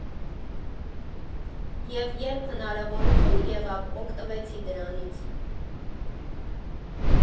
Եվ երբ հնարավորություն եղավ, օգտվեցի դրանից։